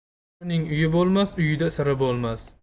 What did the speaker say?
o'g'rining uyi bo'lmas uyida siri bo'lmas